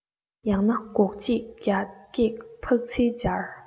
ཡང ན སྒོག གཅིག རྒྱ སྐྱེགས ཕག ཚིལ སྦྱར